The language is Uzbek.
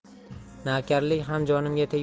navkarlik ham jonimga